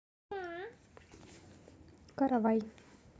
каравай